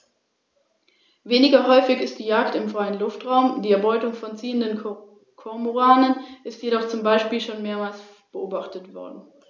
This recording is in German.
Nistplätze an Felsen liegen meist in Höhlungen oder unter Überhängen, Expositionen zur Hauptwindrichtung werden deutlich gemieden.